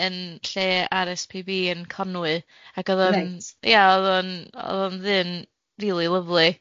yym yn lle Are Ess Pee Bee bee yn Conwy, ac oedd o'n... Reit... ia o'dd o'n o'dd o'n ddyn rili lyfli.